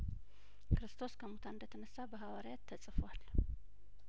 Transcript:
ክርስቶስ ከሙታን እንደተነሳ በሀዋርያት ተጽፏል